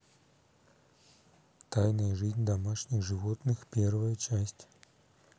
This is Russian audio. тайная жизнь домашних животных первая часть